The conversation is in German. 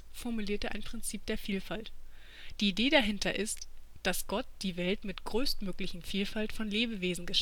formulierte ein Prinzip der Vielfalt (so benannt von Arthur O. Lovejoy). Die Idee dahinter ist, dass Gott die Welt mit der größtmöglichen Vielfalt von Lebewesen